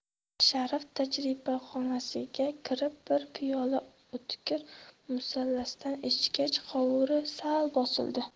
sharif tajribaxonasiga kirib bir piyola o'tkir musallasdan ichgach hovuri sal bosildi